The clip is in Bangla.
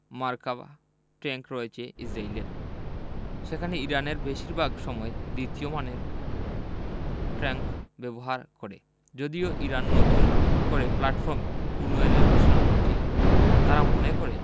মার্কাভা ট্যাংক রয়েছে ইসরায়েলের সেখানে ইরান বেশির ভাগ সময় দ্বিতীয় মানের ট্যাংক ব্যবহার করে যদিও ইরান নতুন করে প্ল্যাটফর্ম উন্নয়নের ঘোষণা করেছে তারা মনে করে